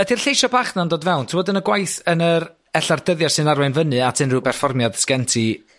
ydi'r lleisie bach 'na'n dod fewn? T'mod yn y gwaith yn yr ella'r dyddie sy'n arwain fyny at unrhyw berfformiad sgen ti